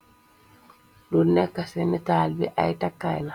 lu nekk sé nétal bi ay takkaayu.